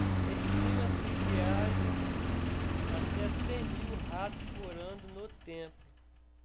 estima-se que haja até cem mil ratos morando no templo